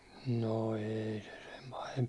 no ei se sen pahempi